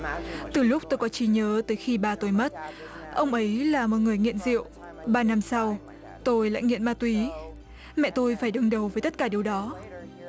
từ lúc tôi có trí nhớ tới khi ba tôi mất ông ấy là một người nghiện rượu ba năm sau tôi lại nghiện ma túy mẹ tôi phải đương đầu với tất cả điều đó